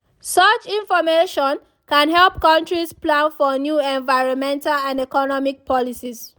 Such information can help countries plan for new environmental and economic policies.